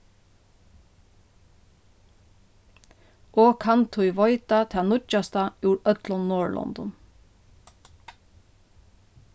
og kann tí veita tað nýggjasta úr øllum norðurlondum